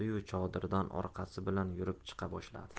yu chodirdan orqasi bilan yurib chiqa boshladi